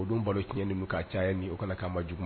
O don balo ye tiɲɛni min k'a caya ni o kana k'an ma juguma